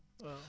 waaw